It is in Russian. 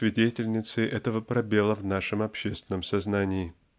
свидетельницей этого пробела в нашем общественном сознании.